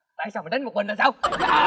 tại sao mày đánh một mình là sao